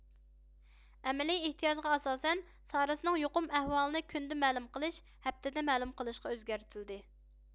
ئەمەلىي ئېھتىياجغا ئاساسەن سارسنىڭ يۇقۇم ئەھۋالىنى كۈندە مەلۇم قىلىش ھەپتىدە مەلۇم قىلىشقا ئۆزگەرتىلدى